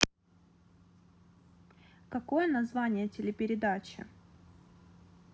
какое название телепередачи